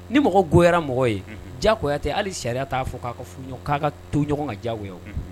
Ni mɔgɔ goyara mɔgɔ ye ja kuyate hali sariya t'a k'a ka fɔ k'a ka toɲɔgɔn ka diya